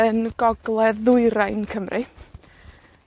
yn gogledd-ddwyrain Cymru,